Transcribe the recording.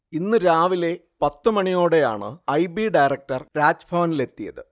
ഇന്നു രാവിലെ പത്തു മണിയോടെയാണ് ഐ. B director രാജ്ഭവനിലെത്തിയത്